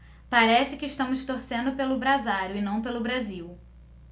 parece que estamos torcendo pelo brasário e não pelo brasil